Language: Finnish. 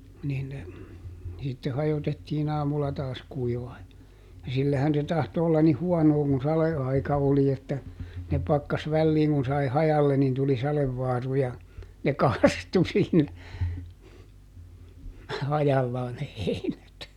niin ne sitten hajotettiin aamulla taas kuivamaan ja ja sillähän se tahtoi olla niin huonoa kun sadeaika oli että ne pakkasi väliin kun sai hajalle niin tuli sadevaaru ja ne kastui siinä hajallaan ne heinät